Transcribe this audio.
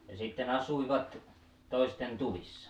ja sitten asuivat toisten tuvissa